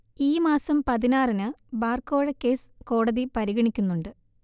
ഈ മാസം പതിനാറിന് ബാർ കോഴക്കേസ് കോടതി പരിഗണിക്കുന്നുണ്ട്